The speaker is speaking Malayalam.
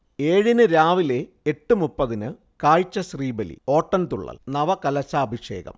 ഏഴിന് രാവിലെ എട്ട് മുപ്പതിന് കാഴ്ചശ്രീബലി, ഓട്ടൻതുള്ളൽ, നവകലശാഭിഷേകം